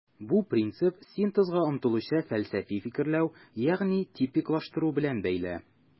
Бу принцип синтезга омтылучы фәлсәфи фикерләү, ягъни типиклаштыру белән бәйле.